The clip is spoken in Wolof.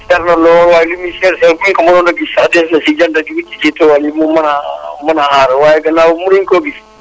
cher na lool waaye li muy cher cher bu ñu ko mënoon a gis sax dañ ko si jënd si wis si si tool yi mu mën a mën a aar waaye gànnaaw mënuñu koo gis